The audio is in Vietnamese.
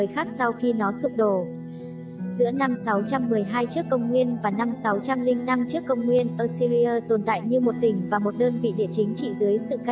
sau khi nó sụp đổ giữa năm tcn và tcn assyria tồn tại như một tỉnh và một đơn vị địa chính trị